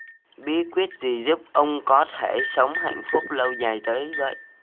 bí quyết gì giúp ông có thể sống hạnh phúc lâu dài tới vậy